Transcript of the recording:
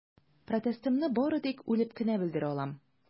Протестымны бары тик үлеп кенә белдерә алам.